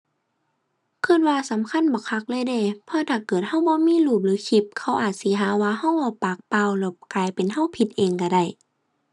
คิดว่าสำคัญบักคักเลยเดะ เพราะถ้าเกิดคิดบ่มีรูปหรือคลิป เขาอาจสิหาว่าคิดเว้าปากเปล่า แล้วกลายเป็นคิดผิดเองคิดได้